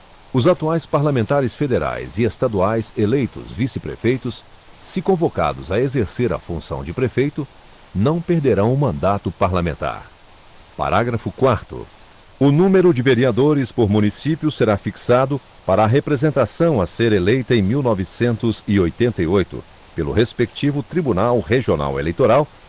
os atuais parlamentares federais e estaduais eleitos vice prefeitos se convocados a exercer a função de prefeito não perderão o mandato parlamentar parágrafo quarto o número de vereadores por município será fixado para a representação a ser eleita em mil novecentos e oitenta e oito pelo respectivo tribunal regional eleitoral